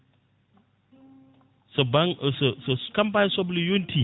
so campagne soble yonti